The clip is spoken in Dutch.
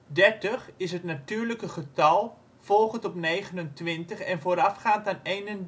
dertig) is het natuurlijke getal volgend op 29 en voorafgaand aan 31.